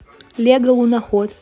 лего луноход